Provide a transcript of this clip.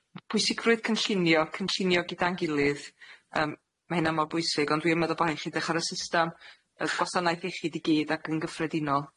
pwysigrwydd cynllunio, cynllunio gyda'n gilydd, yym ma' hynna mor bwysig. Ond dwi yn meddwl bo' rhai' chi'n edrych ar y system y gwasanaeth iechyd i gyd ag yn gyffredinol.